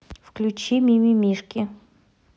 включи ми ми мишки